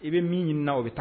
I bɛ min ɲini na o bɛ taa